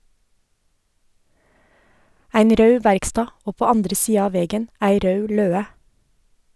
Ein raud verkstad og på andre sida av vegen, ei raud løe.